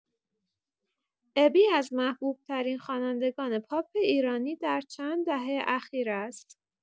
ابی از محبوب‌ترین خوانندگان پاپ ایرانی در چند دهه اخیر است.